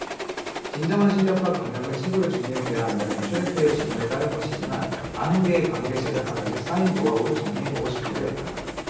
진정한 실력과 경력은 책으로 증명돼야 한다는 최 대표의 지론에 따른 것이지만 아흔 개의 강의를 제작하면서 쌓인 노하우를 정리해보고 싶기도 했다